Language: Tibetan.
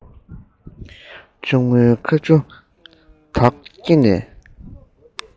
གཅུང མོའི ཁ ཆུ དག སྐེ ནས